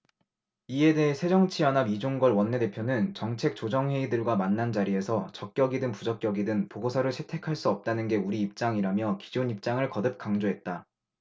이에 대해 새정치연합 이종걸 원내대표는 정책조정회의 들과 만난 자리에서 적격이든 부적격이든 보고서를 채택할 수 없다는 게 우리 입장이라며 기존 입장을 거듭 강조했다